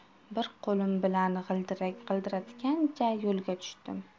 bir qo'lim bilan g'ildirak g'ildiratgancha yo'lga tushdim